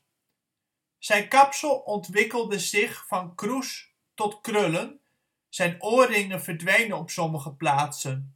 Zijn kapsel ontwikkelde zich van kroes tot krullen, zijn oorringen verdwenen op sommige plaatsen